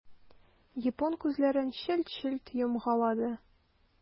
Япон күзләрен челт-челт йомгалады.